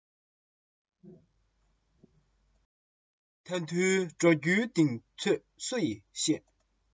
ད དུང འགྲོ རྒྱུའི གདེང ཚོད སུ ཡིས ཤེས